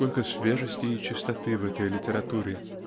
сколько свежести и чистоты в этой литературе